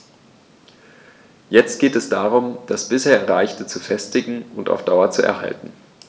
Jetzt geht es darum, das bisher Erreichte zu festigen und auf Dauer zu erhalten.